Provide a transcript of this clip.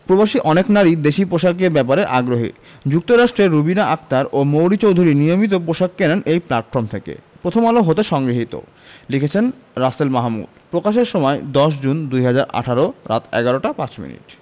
প্রবাসী অনেক নারীই দেশি পোশাকের ব্যাপারে আগ্রহী যুক্তরাষ্ট্রের রুবিনা আক্তার ও মৌরি চৌধুরী নিয়মিত পোশাক কেনেন এই প্ল্যাটফর্ম থেকে প্রথমআলো হতে সংগৃহীত লিখেছেন রাসেল মাহ্মুদ প্রকাশের সময় ১০ জুন ২০১৮ রাত ১১টা ৫ মিনিট